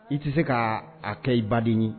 I tɛ se ka a kɛ i baden ye